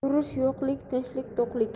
urush yo'qlik tinchlik to'qlik